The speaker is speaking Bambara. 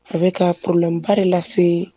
A bɛ ka kurulanbari lase